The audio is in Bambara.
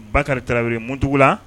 Bakari Tarawele Muntugu la